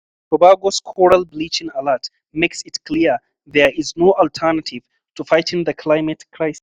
Tobago's coral bleaching alert makes it clear there is ‘no alternative’ to fighting the climate crisis